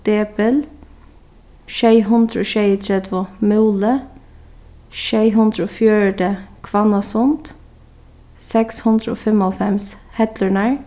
depil sjey hundrað og sjeyogtretivu múli sjey hundrað og fjøruti hvannasund seks hundrað og fimmoghálvfems hellurnar